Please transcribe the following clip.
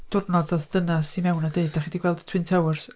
diwrnod ddoth dynas i mewn a deud "Dach chi 'di gweld y twin towers?"